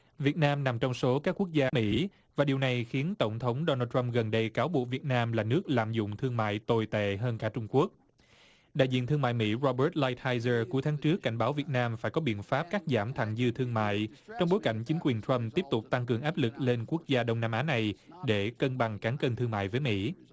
việt nam nằm trong số các quốc gia mỹ và điều này khiến tổng thống đô na trăm gần đây cáo buộc việt nam là nước lạm dụng thương mại tồi tệ hơn cả trung quốc đại diện thương mại mỹ ro bớt lai thai dơ cuối tháng trước cảnh báo việt nam phải có biện pháp cắt giảm thặng dư thương mại trong bối cảnh chính quyền trăm tiếp tục tăng cường áp lực lên quốc gia đông nam á này để cân bằng cán cân thương mại với mỹ